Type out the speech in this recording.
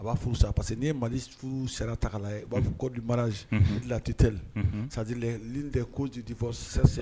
A b'a furu sa parce que' ma di furu sera ta la u b'a fɔ kobi mariz tɛ teli saji li tɛ kojidi fɔ